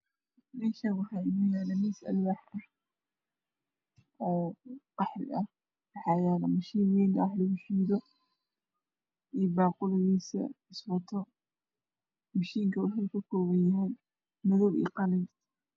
Meshaan waxaa inoo yala miis alwaax oo qaxwi ah mashiinka wax lagu shiido iyo baaquligiisa mashiinka mashiinka waxa uu kakooban yahy madow iyo qalin